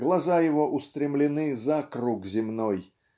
Глаза его устремлены за круг земной